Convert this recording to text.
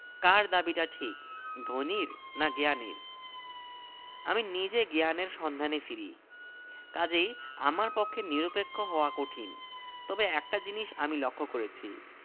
বইকেনা Syed Mujtaba Ali Mark টুয়েনের লাইব্রেরিখানা নাকি দেখবার মত ছিল মেঝে থেকে ছাত পর্যন্ত বই বই শুধু বই